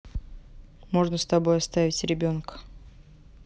можно с тобой оставить ребенка